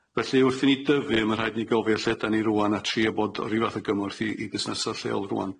Felly wrth i ni dyfu ma' rhaid i ni gofio lle dan ni rŵan a trio bod o ryw fath o gymorth i i busnesa lleol rŵan.